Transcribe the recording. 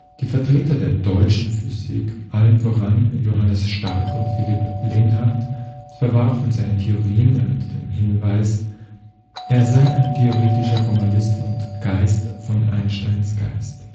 Die Vertreter der Deutschen Physik, allen voran Johannes Stark und Philipp Lenard, verwarfen seine Theorien mit dem Hinweis, er sei ein „ theoretischer Formalist “und „ Geist von Einsteins Geist